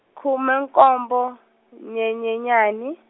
khume nkombo, Nyenyenyani.